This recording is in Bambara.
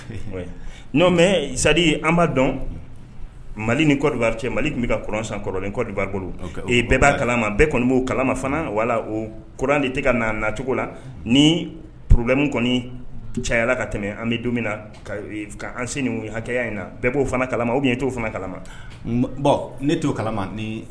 B'a dɔn mali ni cɛ mali tun bɛ ka san kɔrɔ bolo bɛɛ b'a kalama bɛɛ kɔni b'o kalama fana wala ouran de tɛ na nacogo la ni porobɛmu kɔni caya ka tɛmɛ an bɛ donmina na ka an sen hakɛya in na bɛɛ b'o fana kala o ye t'o fana kala ne to kala